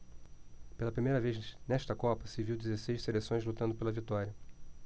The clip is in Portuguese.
pela primeira vez nesta copa se viu dezesseis seleções lutando pela vitória